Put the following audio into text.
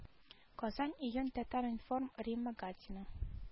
Казан июнь татар-информ римма гатина